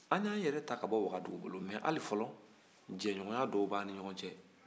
an y'an yɛrɛta ka bɔ wagadugu bolo mɛ hali fɔlɔ jɛɲɔgɔnya dɔw b'an ni ɲɔgɔn cɛ